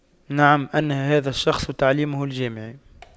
نعم أنهى هذا الشخص تعليمه الجامعي